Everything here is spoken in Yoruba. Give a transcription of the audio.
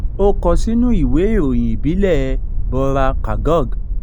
Ó kọ sínú ìwé ìròyìn ìbílẹ̀ẹ Bhorer Kagoj: